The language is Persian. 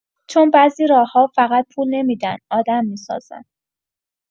چون بعضی راه‌ها فقط پول نمی‌دن، آدم می‌سازن.